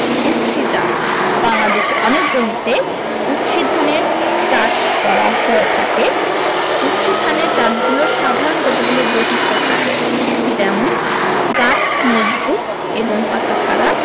উফশী জাতঃ বাংলাদেশে অনেক জমিতে উফশী ধানের চাষ করা হয়ে থাকে উফশী ধানের জাতগুলোর সাধারণ কতগুলো বৈশিষ্ট্য থাকে যেমনঃ গাছ মজবুত এবং পাতা খাড়া